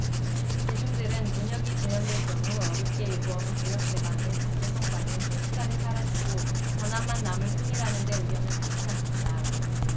대중들은 문혁이 재연될 경우 어렵게 일궈 온 개혁개방의 경제 성과는 순식간에 사라지고 가난만 남을 뿐이라는데 의견을 같이 합니다